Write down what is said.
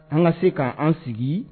An ka se k' an sigi